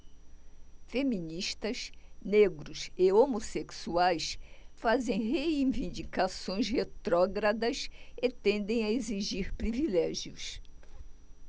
feministas negros e homossexuais fazem reivindicações retrógradas e tendem a exigir privilégios